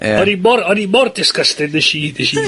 ...Ie. O'n i mor, o'n i mor disgusted nesh i nesh i...